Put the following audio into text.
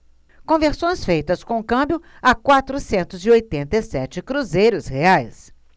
conversões feitas com câmbio a quatrocentos e oitenta e sete cruzeiros reais